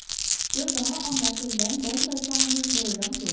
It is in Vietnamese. trước đó ông đã tìm đến bốn cây xăng nhưng đều đóng cửa